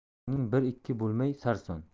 ukangning biri ikki bo'lmay sarson